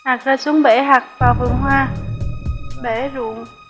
hạt rơi xuống bể hạc vào vườn hoa bể ruộng